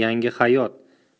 yangi hayot